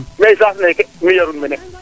mais saas neeke mi yarum mene